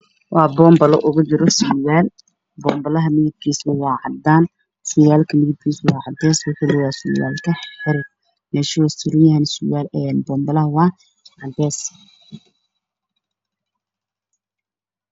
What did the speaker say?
Waa bambalo midabkiisa iyo caddaan waxaa ku jira surwaal cadays ah dhulka ayaa lagu cadaan